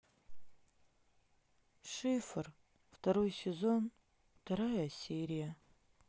шифр второй сезон вторая серия